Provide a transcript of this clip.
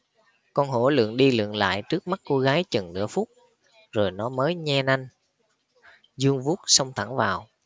con hổ lượn đi lượn lại trước mặt cô gái chừng nửa phút rồi nó mới nhe nanh giương vuốt xông thẳng vào